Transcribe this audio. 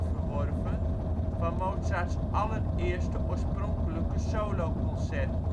verworven van Mozarts allereerste oorspronkelijke soloconcert